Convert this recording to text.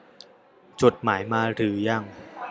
จดหมายมาหรือยัง